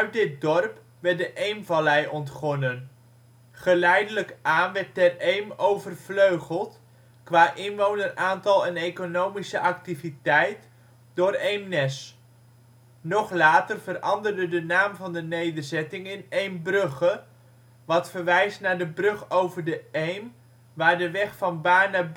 dit dorp werd de Eemvallei ontgonnen. Geleidelijk aan werd Ter Eem overvleugeld, qua inwoneraantal en economische activiteit door Eemnes. Nog later veranderde de naam van de nederzetting in Eembrugge, wat verwijst naar de brug over de Eem waar de weg van Baarn naar